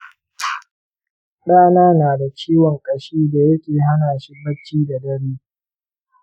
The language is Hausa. ɗana na da ciwon ƙashi da yake hana shi bacci da dare.